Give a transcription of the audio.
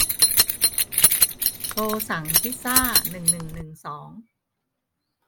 โทรสั่งพิซซ่าหนึ่งหนึ่งหนึ่งสอง